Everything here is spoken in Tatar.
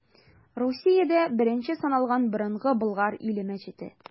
Русиядә беренче саналган Борынгы Болгар иле мәчете.